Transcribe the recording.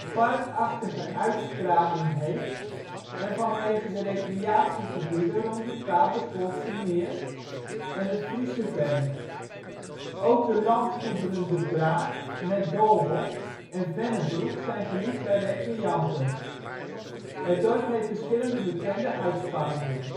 parkachtige uitstraling heeft en vanwege de recreatiegebieden rond het Paterswoldsemeer en het Friese Veen. Ook de landgoederen De Braak (met doolhof) en Vennebroek zijn geliefd bij recreanten. Het dorp heeft verschillende bekende uitspanningen